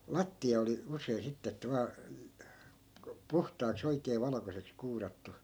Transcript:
lattia oli usein sitten että vain niin kuin puhtaaksi oikein valkoiseksi kuurattu